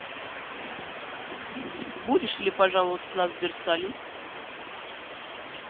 будешь или пожаловаться на сбер салют